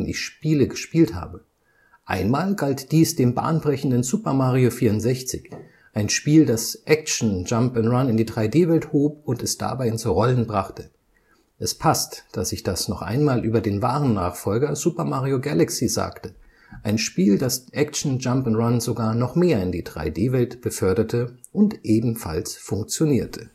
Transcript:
Spiele gespielt habe. Einmal galt dies dem bahnbrechenden Super Mario 64, ein Spiel, das Action/Jump -’ n’ - Run in die 3D-Welt hob und es dabei ins Rollen brachte. Es passt, dass ich das noch einmal über den (wahren) Nachfolger, Super Mario Galaxy, sagte, ein Spiel, das Action/Jump -’ n’ - Run sogar noch mehr in die 3D-Welt beförderte und ebenfalls funktionierte